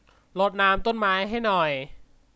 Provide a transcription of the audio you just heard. รดน้ำต้นไม้ให้หน่อย